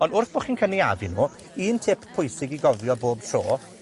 Ond wrth bo' chin cynaeafu nw, un tip pwysig i gofio bob tro,